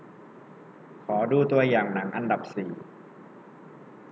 ขอดูตัวอย่างหนังอันดับสี่